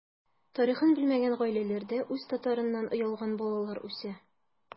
Тарихын белмәгән гаиләләрдә үз татарыннан оялган балалар үсә.